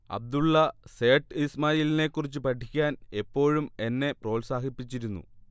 അബ്ദുള്ള സേഠ് ഇസ്ലാമിനേക്കുറിച്ച് പഠിക്കാൻ എപ്പോഴും എന്നെ പ്രോത്സാഹിപ്പിച്ചിരുന്നു